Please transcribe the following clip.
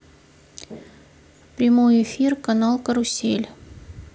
прямой эфир канал карусель